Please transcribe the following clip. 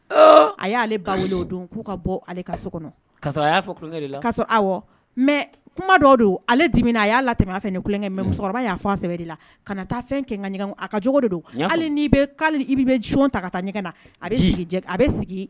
A y'ale ba o don k'u ka bɔ ale ka so kɔnɔ a y'a fɔ ka mɛ kuma dɔ don ale dimina na a y'a la tɛmɛ a fɛ nikɛ mɛ musokɔrɔba y'a fɔ sɛbɛnbɛ de la ka na taa fɛn kɛ ka a ka cogo de don hali i bɛ bɛ jan ta ka taa ɲɛgɛn na bɛ sigi